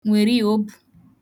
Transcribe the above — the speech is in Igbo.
nwèri obù